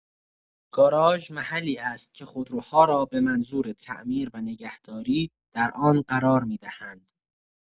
گاراژ محلی است که خودروها را به منظور تعمیر و نگهداری در آن قرار می‌دهند.